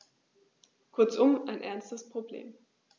Kurzum, ein ernstes Problem.